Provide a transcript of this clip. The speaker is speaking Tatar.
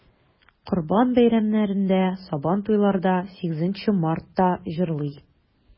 Корбан бәйрәмнәрендә, Сабантуйларда, 8 Мартта җырлый.